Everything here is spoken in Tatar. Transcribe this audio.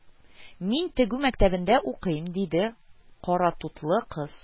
Мин тегү мәктәбендә укыйм, диде каратутлы кыз